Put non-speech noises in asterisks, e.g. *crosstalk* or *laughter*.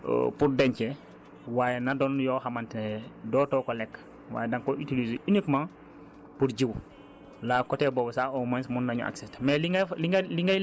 su fekkente ne même bu fekkee ne danga koy utiliser *hesitation* pour denc waaye na doon yoo xamante ne dootoo ko lekk waaye danga ko utiliser uniquement pour jiwu